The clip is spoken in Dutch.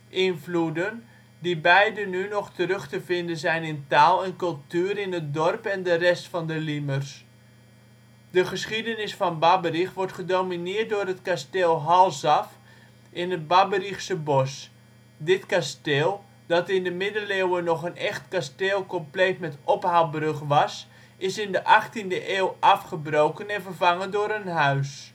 invloeden die beiden nu nog terug te vinden zijn in taal en cultuur in het dorp en de rest van de Liemers. De geschiedenis van Babberich wordt gedomineerd door het kasteel " Halsaf " in het Babberichse Bos. Dit kasteel, dat in de Middeleeuwen nog een echt kasteel compleet met ophaalbrug was, is in de 18e eeuw afgebroken en vervangen door een huis